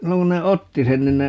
silloin kun ne otti sen niin ne